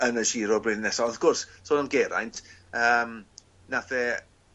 yn y Giro blwyddyn nesa on' wrth gwrs sôn am Geraint yym nath e